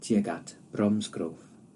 tuag at Bromsgrove.